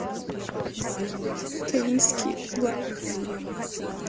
ковинский лайв